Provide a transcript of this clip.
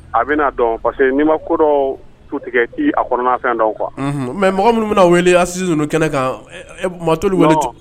A bɛna'a dɔn parce que n'i ma ko dɔ tu tigɛ i a kɔnɔna fɛn da kuwa mɛ mɔgɔ minnu bɛna wele asi ninnu kɛnɛ ka matoli weele